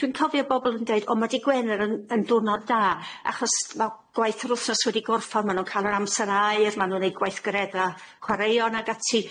Dwi'n cofio bobol yn deud o ma' dydd Gwener yn yn diwrnod da achos ma' gwaith yr w'thnos wedi gorffan ma' n'w'n ca'l yr amser aur ma' n'w'n neud gweithgaredda' chwareon ag ati.